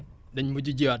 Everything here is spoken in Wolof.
dañ mujj jiwaat